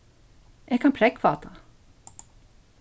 eg kann prógva tað